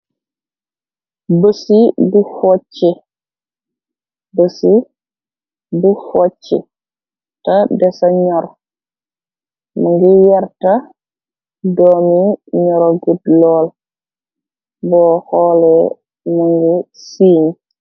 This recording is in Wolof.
Bësi bu focci ta dessa ñor. Mu ngi werta, doomi ñorogut lool, bo xoole mungi siiñ.